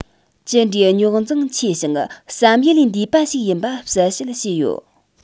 ཅི འདྲའི རྙོག འཛིང ཆེ ཞིང བསམ ཡུལ འདས པ ཞིག ཡིན པ གསལ བཤད བྱས ཡོད